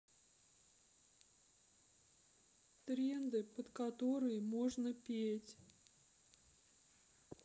тренды под которые можно петь